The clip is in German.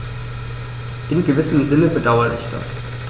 In gewissem Sinne bedauere ich das.